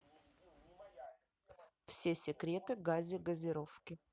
все секреты гази газировки